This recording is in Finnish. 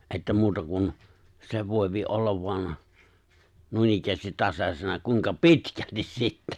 että muuta kuin se voi olla vain noinikään tasaisena kuinka pitkälti sitten